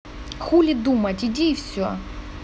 хули думать иди и все